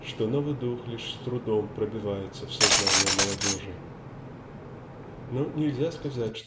что новый дух лишь с трудом пробивается в сознание молодежи . Но нельзя сказать